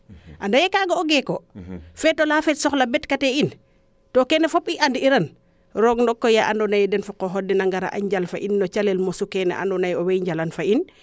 ande kaaga o geeko feetola feet soxal betka tee in to keene fop i an iran roog ndok koy ya ando naye den fa qoxood den a ngara a njal fo in no calel mosu keene ando naye owey njalan fo in